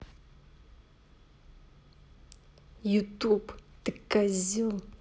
youtube ты козел